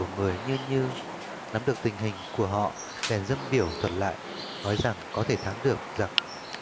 người như như nắm được tình hình của họ bèn dâng biểu thuật lại nói rằng có thể thắng được giặc